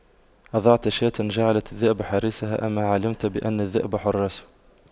أضعت شاة جعلت الذئب حارسها أما علمت بأن الذئب حراس